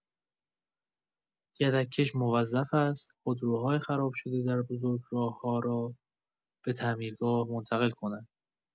یدک‌کش موظف است خودروهای خراب‌شده در بزرگراه‌ها را به تعمیرگاه منتقل کند.